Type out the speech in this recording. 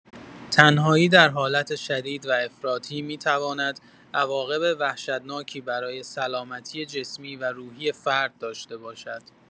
تنهایی در حالت شدید و افراطی می‌تواند عواقب وحشتناکی برای سلامتی جسمی و روحی فرد داشته باشد.